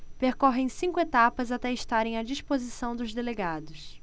percorrem cinco etapas até estarem à disposição dos delegados